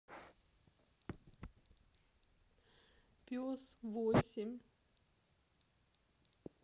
пес восемь